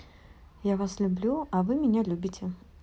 я вас люблю а вы меня любите